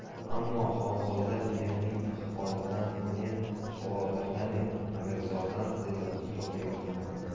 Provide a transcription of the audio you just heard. ammo xonzoda begimning ahvolidan men xavotirdamen amirzodam dedi qutlug' nigor xonim